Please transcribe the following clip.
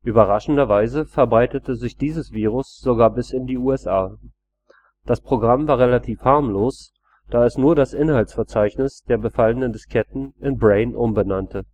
Überraschenderweise verbreitete sich dieses Virus sogar bis in die USA. Das Programm war relativ harmlos, da es nur das Inhaltsverzeichnis der befallenen Disketten in Brain umbenannte